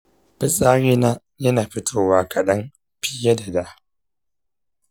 fitsari na yana fitowa kaɗan fiye da da.